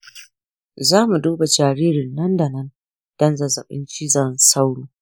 za mu duba jinin jaririn nan-da-nan don zazzaɓin cizon sauro.